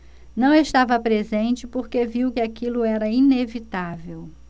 não estava presente porque viu que aquilo era inevitável